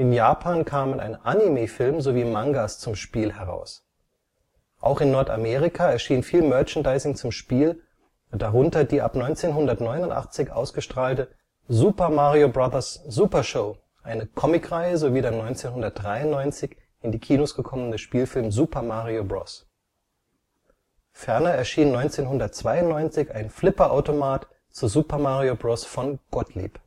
Japan kamen ein Anime-Film sowie Mangas zum Spiel heraus. Auch in Nordamerika erschien viel Merchandising zum Spiel, darunter die ab 1989 ausgestrahlte Super Mario Brothers Super Show, eine Comicreihe sowie der 1993 in die Kinos gekommene Spielfilm Super Mario Bros. Ferner erschien 1992 ein Flipperautomat zu Super Mario Bros. von Gottlieb